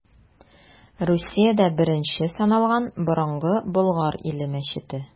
Русиядә беренче саналган Борынгы Болгар иле мәчете.